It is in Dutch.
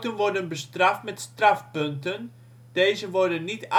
worden bestraft met strafpunten; deze worden niet